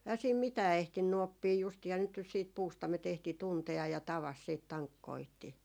eihän siinä mitään ehtinyt oppia justiinhan nyt jo sitten puustaimet ehti tuntea ja tavasi sitten tankkoitsi